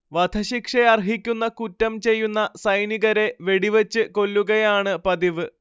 വധശിക്ഷയർഹിക്കുന്ന കുറ്റം ചെയ്യുന്ന സൈനികരെ വെടിവച്ച് കൊല്ലുകയാണ് പതിവ്